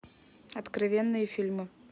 откровенные фильмы